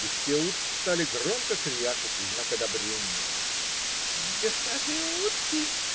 И все утки стали громко крякать в знак одобрения. - Госпожи утки!